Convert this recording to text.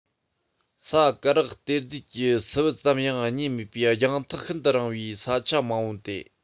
ས དཀར རག གཏེར རྫས ཀྱི སིལ བུ ཙམ ཡང རྙེད མེད པའི རྒྱང ཐག ཤིན ཏུ རིང བའི ས ཆ མང པོ སྟེ